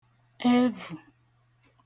ẹvụ̀